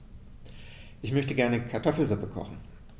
Ich möchte gerne Kartoffelsuppe kochen.